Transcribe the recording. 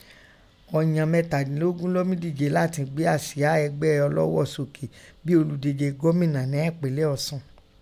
Ọ̀ǹyàn mẹtadinlogun lọ́ mí dije látin gbé àsìá ẹgbẹ́ Ọlọ́ghọ̀ sókè bíi olùdíje gómìnà nẹ́ ẹ̀pínlẹ̀ Ọ̀sun.